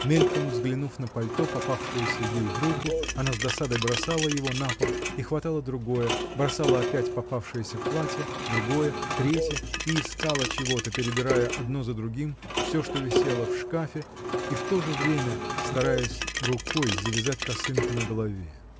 Мельком взглянув на пальто, попавшееся ей в руку, она с досадой бросала его на пол и хватала другое, бросала опять попавшееся платье, другое, третье и искала чего-то, перебирая одно за другим всё, что висело в шкафе, и в то же время стараясь рукой завязать косынку на голове.